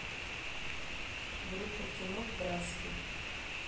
группа кино в братске